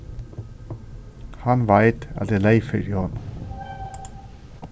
hann veit at eg leyg fyri honum